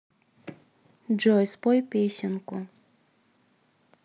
джой спой песенку